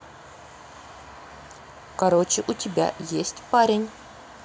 короче у тебя есть парень